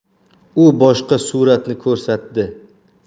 u boshqa suratni ko'rsatdi